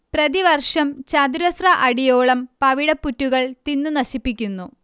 പ്രതിവർഷം ചതുരശ്ര അടിയോളം പവിഴപ്പുറ്റുകൾ തിന്നു നശിപ്പിക്കുന്നു